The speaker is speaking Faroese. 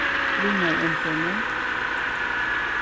vinarumbønir